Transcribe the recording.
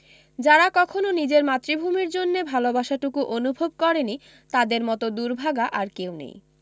যারা কখনো নিজের মাতৃভূমির জন্যে ভালোবাসাটুকু অনুভব করেনি তাদের মতো দুর্ভাগা আর কেউ নেই